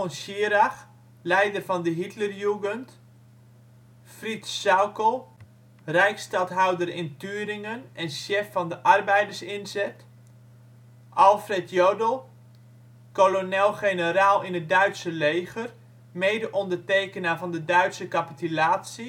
Schirach (leider van de Hitlerjugend) Fritz Sauckel (rijksstadhouder in Thuringen en chef van de Arbeidersinzet) Alfred Jodl (kolonel-generaal in het Duits leger, medeondertekenaar Duitse capitulatie